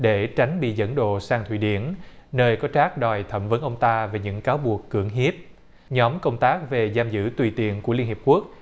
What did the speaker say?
để tránh bị dẫn độ sang thụy điển nơi có trát đòi thẩm vấn ông ta về những cáo buộc cưỡng hiếp nhóm công tác về giam giữ tùy tiện của liên hiệp quốc